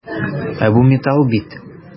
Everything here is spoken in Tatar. Ә бу металл бит!